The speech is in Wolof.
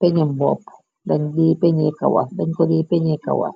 peñem bopp dañ d peñe kawal, dañ kolee peñe kawal.